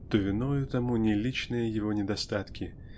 то виною тому не личные его недостатки